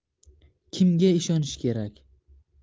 kimga ishonish kerak